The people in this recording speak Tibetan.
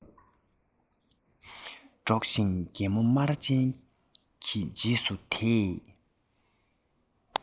སྒྲོག བཞིན རྒད པོ སྨ ར ཅན གྱི རྗེས སུ དེད